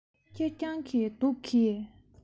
ཁེར རྐྱང གི སྡུག གིས